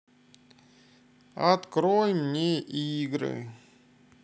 открой мне игры